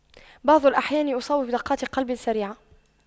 بعض الأحيان اصاب بدقات قلب سريعة